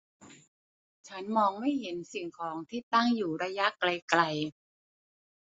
ฉันมองไม่เห็นสิ่งของที่ตั้งอยู่ระยะไกลไกล